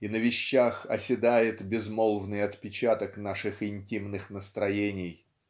и на вещах оседает безмолвный отпечаток наших интимных настроений.